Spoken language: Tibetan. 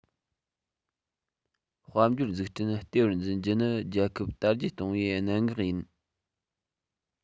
དཔལ འབྱོར འཛུགས སྐྲུན ལྟེ བར འཛིན རྒྱུ ནི རྒྱལ ཁབ དར རྒྱས གཏོང བའི གནད འགག ཡིན